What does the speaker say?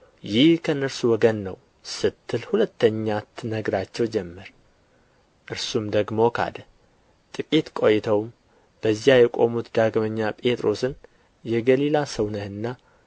ይህም ከእነርሱ ወገን ነው ስትል ሁለተኛ ትነግራቸው ጀመር እርሱም ደግሞ ካደ ጥቂት ቈይተውም በዚያ የቆሙት ዳግመኛ ጴጥሮስን የገሊላ ሰው ነህና